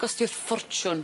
Gostiwth ffortiwn.